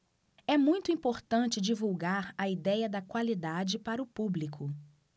é muito importante divulgar a idéia da qualidade para o público